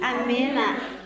amiina